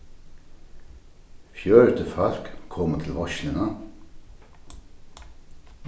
fjøruti fólk komu til veitsluna